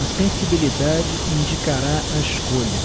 a sensibilidade indicará a escolha